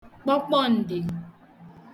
kpọkpọǹdè